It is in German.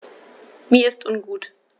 Mir ist ungut.